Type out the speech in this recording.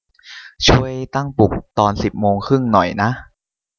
ช่วยตั้งปลุกตอนสิบโมงครึ่งหน่อยนะ